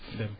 Deme